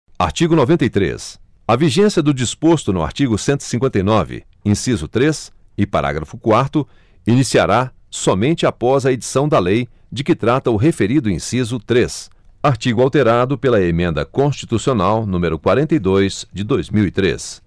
artigo noventa e três a vigência do disposto no artigo cento e cinquenta e nove inciso três e parágrafo quarto iniciará somente após a edição da lei de que trata o referido inciso três artigo alterado pela emenda constitucional número quarenta e dois de dois mil e três